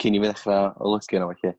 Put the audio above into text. cyn i fy dechra olygu arna fo 'llu